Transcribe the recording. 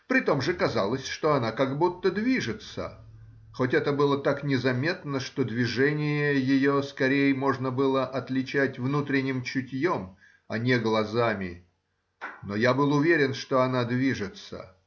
Притом же казалось, что она как будто движется,— хоть это было так незаметно, что движение ее скорей можно было отличать внутренним чутьем, а не глазами, но я был уверен, что она движется.